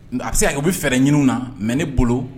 A bɛ se a bɛ fɛɛrɛ ɲinin na mɛ ne bolo